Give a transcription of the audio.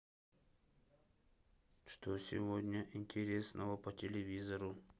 что сегодня интересного по телевизору